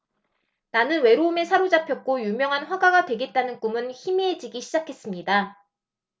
나는 외로움에 사로잡혔고 유명한 화가가 되겠다는 꿈은 희미해지기 시작했습니다